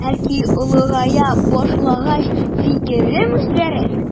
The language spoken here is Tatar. Бәлки олыгая башлагач фикерем үзгәрер.